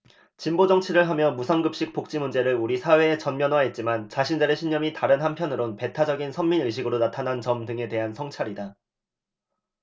진보정치를 하며 무상급식 복지 문제를 우리 사회에 전면화했지만 자신들의 신념이 다른 한편으론 배타적인 선민의식으로 나타난 점 등에 대한 성찰이다